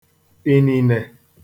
ìnìnè